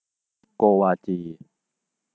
โกวาจี